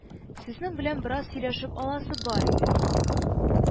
Сезнең белән бераз сөйләшеп аласы бар иде